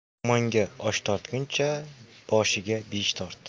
yomonga osh tortguncha boshiga besh tort